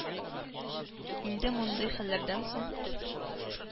Инде мондый хәлләрдән соң